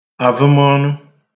àvə̣mọnụ̄